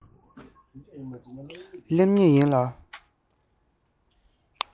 སླེབས ངེས ཡིན ལ